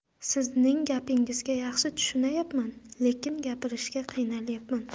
sizning gapingizga yaxshi tushunayapman lekin gapirishga qiynalayapman